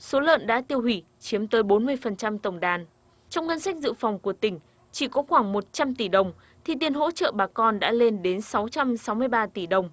số lợn đã tiêu hủy chiếm tới bốn mươi phần trăm tổng đàn trong ngân sách dự phòng của tỉnh chỉ có khoảng một trăm tỷ đồng thì tiền hỗ trợ bà con đã lên đến sáu trăm sáu mươi ba tỷ đồng